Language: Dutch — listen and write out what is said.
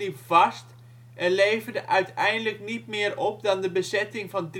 vast en leverde uiteindelijk niet meer op dan de bezetting van